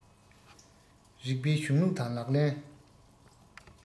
རིགས པའི གཞུང ལུགས དང ལག ལེན